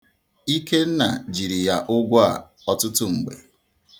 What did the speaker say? Ikenna jiri ya ụgwọ a ọtụtụ mgbe.